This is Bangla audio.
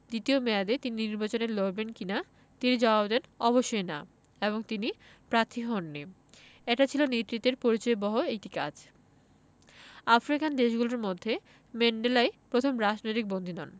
দ্বিতীয় মেয়াদে তিনি নির্বাচনে লড়বেন কি না তিনি জবাব দেন অবশ্যই না এবং তিনি প্রার্থী হননি এটা ছিল নেতৃত্বের পরিচয়বহ একটি কাজ আফ্রিকান দেশগুলোর মধ্যে ম্যান্ডেলাই প্রথম রাজনৈতিক বন্দী নন